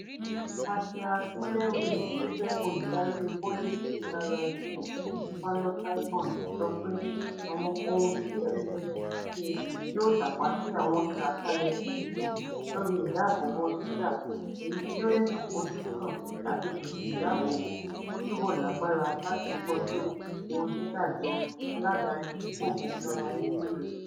Kasia Szymielewicz, tó jẹ́ olùdarí Polish digital rights group Panoptykon sọ pe, àwọn ohun tí NSA ṣe yóò tàpá sí àwọn ìlàkalẹ̀ EU lóri ìdáàbòbò data, èyí tí ó ní àfojúsùn láti pèsè ìdáàbòbò tó tùbọ̀ làgbára láti kojú ìkó data jọ aládani tí kò ganilára ní US